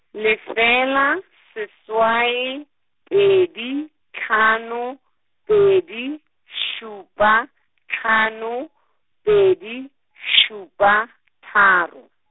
lefela, seswai, pedi, hlano, pedi, šupa, hlano, pedi, šupa, tharo.